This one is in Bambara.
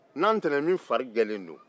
nantɛnɛn min fari jɛlen don